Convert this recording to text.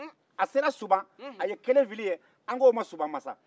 a selen suban a ye kelen fili yen an k'o ma ko suban masa